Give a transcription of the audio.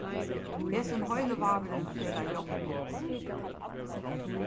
hesin heilivágurin fer at hjálpa